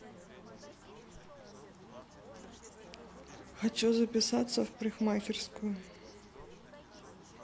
хочу записаться в парикмахерскую